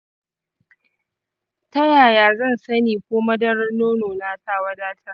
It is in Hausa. ta yaya zan sani ko madarar nonona ta wadatar?